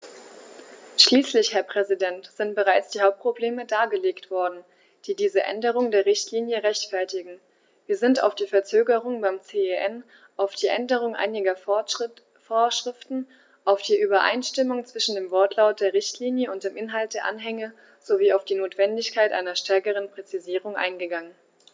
Schließlich, Herr Präsident, sind bereits die Hauptprobleme dargelegt worden, die diese Änderung der Richtlinie rechtfertigen, wir sind auf die Verzögerung beim CEN, auf die Änderung einiger Vorschriften, auf die Übereinstimmung zwischen dem Wortlaut der Richtlinie und dem Inhalt der Anhänge sowie auf die Notwendigkeit einer stärkeren Präzisierung eingegangen.